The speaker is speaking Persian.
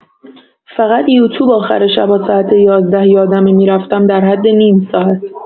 فقط یوتوب آخر شبا ساعت ۱۱ یادمه می‌رفتم در حد نیم ساعت